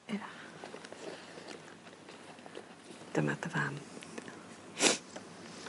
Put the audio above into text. Ia. Dyma dy fam. Diolch .